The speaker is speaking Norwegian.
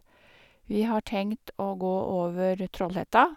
Vi har tenkt å gå over Trollhetta.